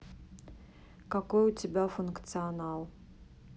какой у тебя функционал